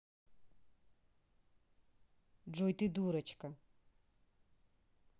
джой ты дурочка